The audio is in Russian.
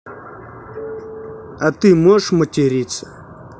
а ты можешь материться